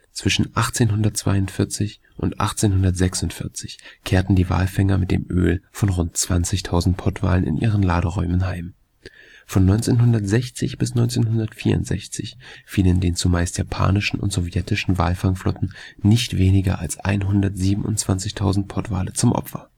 Zwischen 1842 und 1846 kehrten die Walfänger mit dem Öl von rund 20.000 Pottwalen in ihren Laderäumen heim. Von 1960 bis 1964 fielen den zumeist japanischen und sowjetischen Walfangflotten nicht weniger als 127.000 Pottwale zum Opfer